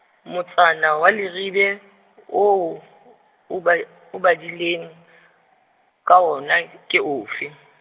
motsana wa Leribe, oo o ba-, o badileng ka wona, ke ofe?